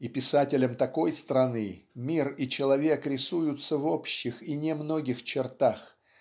И писателям такой страны мир и человек рисуются в общих и немногих чертах